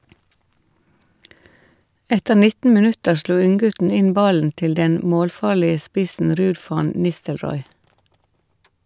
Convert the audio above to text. Etter 19 minutter slo unggutten inn ballen til den målfarlige spissen Ruud van Nistelrooy.